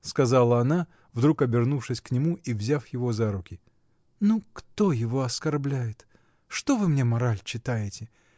— сказала она, вдруг обернувшись к нему и взяв его за руки. — Ну кто его оскорбляет? Что вы мне мораль читаете!